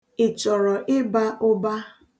Ị chọrọ ịba ụba?